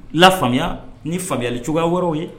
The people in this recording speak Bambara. Lafaamuya ni faamuyali cogoya wɛrɛw ye